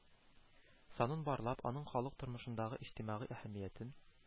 Санын барлап, аның халык тормышындагы иҗтимагый әһәмиятен